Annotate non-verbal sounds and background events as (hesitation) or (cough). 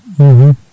(hesitation) (hesitation)